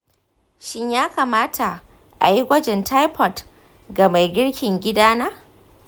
shin ya kamata a yi gwajin typhoid ga mai girkin gidana?